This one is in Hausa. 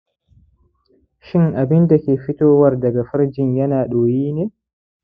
shin abunda ke fitowar daga farjin ya na ɗoyi ne